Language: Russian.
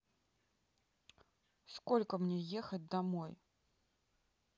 сколько мне ехать домой